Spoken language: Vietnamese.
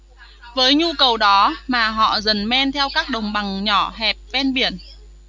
với nhu cầu đó mà họ dần men theo các đồng bằng nhỏ hẹp ven biển